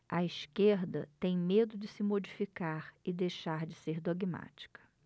a esquerda tem medo de se modificar e deixar de ser dogmática